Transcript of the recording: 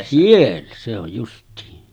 siellä se on justiin